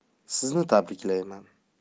sizni tabriklayman